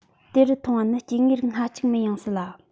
དེ རུ མཐོང བ ནི སྐྱེ དངོས རིགས སྣ གཅིག མིན ཡང སྲིད ལ